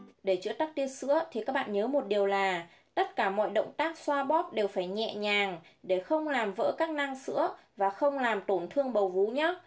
để chữa tắc tia sữa thì các bạn nhớ một điều là tất cả mọi động tác xoa bóp đều phải nhẹ nhàng để không làm vỡ các nang sữa và không làm tổn thương bầu vú nhé